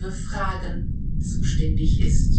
Fragen zuständig ist